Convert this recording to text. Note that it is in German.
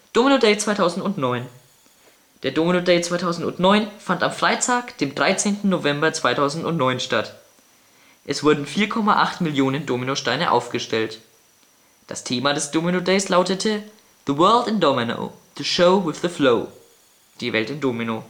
Domino Day 2009 Der Domino Day 2009 fand am Freitag, dem 13. November 2009 statt. Es wurden 4,8 Millionen Dominosteine aufgestellt. Das Thema des Domino Days lautete: „ The World in Domino - The Show With The Flow “(Die Welt in Domino